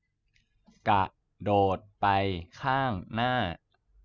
กระโดดไปข้างหน้า